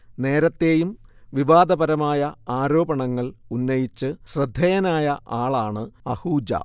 നേരത്തെയും വിവാദപരമായ ആരോപണങ്ങൾ ഉന്നയിച്ച് ശ്രദ്ധേയനായ ആളാണ് അഹൂജ